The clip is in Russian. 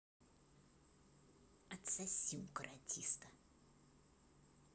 отсоси у каратиста